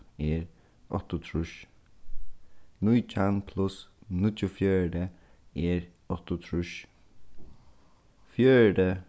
er áttaogtrýss nítjan pluss níggjuogfjøruti er áttaogtrýss fjøruti